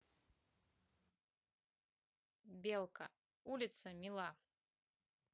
белка улица мила